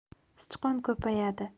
sichqon ko'payadi